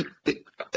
Yym